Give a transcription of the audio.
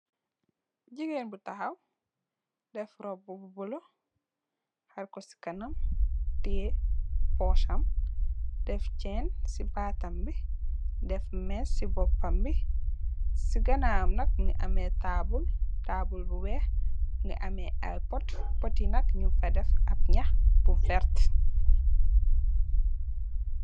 Jigen bu taxaw def roba bu bula xarko ci kaname teya posam take tiéne cu baatam bi def mése ci bopambi bi ci ganawam nak mungi ame tabul bu wex ci ganawam nak njung fa def ay poot toot yu nak njung fa def yax yax yu wert